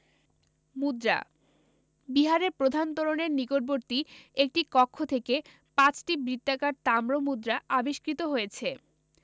মুদ্রা বিহারের প্রধান তোরণের নিকটবর্তী একটি কক্ষ থেকে ৫টি বৃত্তাকার তাম্র মুদ্রা আবিষ্কৃত হয়েছে